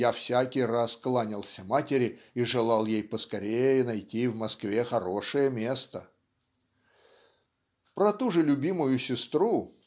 я всякий раз кланялся матери и желал ей поскорее найти в Москве хорошее место". Про ту же любимую сестру